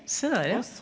se der ja.